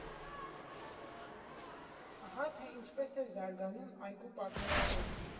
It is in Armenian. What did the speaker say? Ահա, թե ինչպես էր զարգանում այգու պատմությունը։